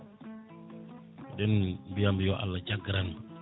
eɗen mbiyamo yo Allah jaggaranmo